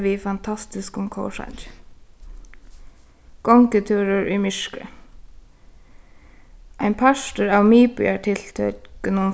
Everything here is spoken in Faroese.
við fantastiskum kórsangi gongutúrur í myrkri ein partur av miðbýartiltøkunum